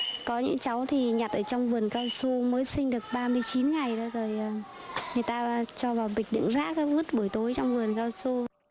có những cháu thì nhặt ở trong vườn cao su mới sinh được ba mươi chín ngày rồi người ta cho vào bịch đựng rác ra vứt buổi tối trong vườn cao su